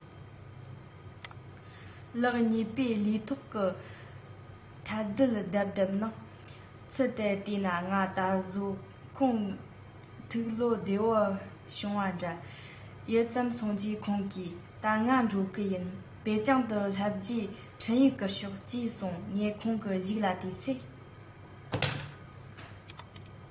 ལག གཉིས པོས ལུས ཐོག གི ཐལ རྡུལ རྡེབ རྡེབ གནང ཚུལ དེར བལྟས ན ད གཟོད ཁོང ཐུགས བློ བདེ པོ བྱུང བ འདྲ ཡུད ཙམ སོང རྗེས ཁོང གིས ད ང འགྲོ གི ཡིན པེ ཅིང དུ སླེབས རྗེས འཕྲིན ཡིག བསྐུར ཤོག ཅེས གསུངས ངས ཁོང གི གཞུག ལ བལྟས ཚེ